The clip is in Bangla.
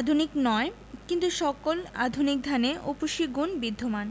আধুনিক নয় কিন্তু সকল আধুনিক ধানে উফশী গুণ বিদ্যমান